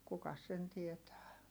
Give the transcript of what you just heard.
kukas sen tietää